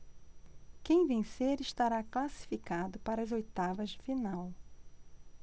quem vencer estará classificado para as oitavas de final